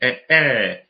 e e